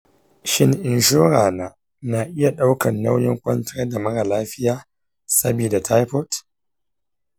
shin inshora na, na iya ɗaukar nauyin kwantar da mara lafiya saboda typhoid?